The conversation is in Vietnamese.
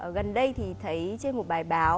ờ gần đây thì thấy trên một bài báo